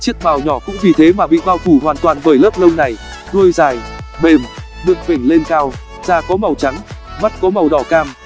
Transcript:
chiếc mào nhỏ cũng vì thế mà bị bao phủ hoàn toàn bởi lớp lông này đuôi dài mềm mượt vểnh lên cao da có màu trắng mắt có màu đỏ cam